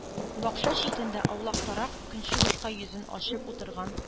Бакча читендә, аулактарак, көнчыгышка йөзен ачып утырган